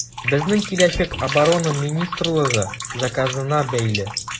Безнең киләчәк Оборона министрлыгы заказына бәйле.